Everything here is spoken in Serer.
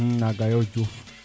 naga yo Diouf